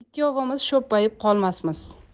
ikkovimiz sho'ppayib qolmasmiz